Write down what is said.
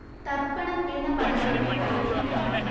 തർപ്പണം എന്ന പദത്തിന്റെ അർത്ഥം നോക്കാം